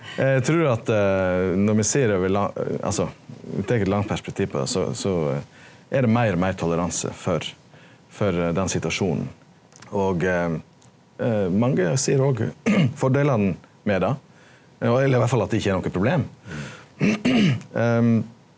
eg trur at når me ser over altso tek eit langt perspektiv på det so so er det meir og meir toleranse for for den situasjonen og mange ser og fordelane med det og eller iallfall at det ikkje er noko problem .